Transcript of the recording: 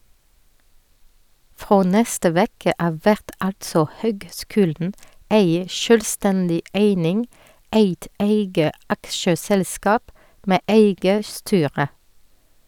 Frå neste veke av vert altså høgskulen ei sjølvstendig eining, eit eige aksjeselskap med eige styre.